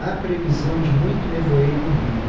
há previsão de muito nevoeiro no rio